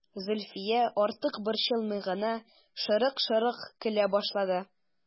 Зөлфия, артык борчылмый гына, шырык-шырык көлә башлады.